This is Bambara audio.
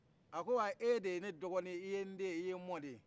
a ko wa e de ye ne dɔgɔnin ye i yen nden ye i yen mɔden ye